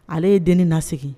Ale ye den nase